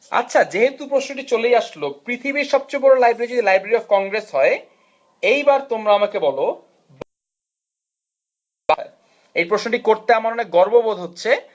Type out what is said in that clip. আচ্ছা আচ্ছা যেহেতু প্রশ্ন টি চলে আসলো পৃথিবীর সবচেয়ে বড় লাইব্রেরি অফ কংগ্রেস হয় এবার তোমরা আমাকে বল এ প্রশ্ন টি করতে আমার অনেক গর্ববোধ হচ্ছে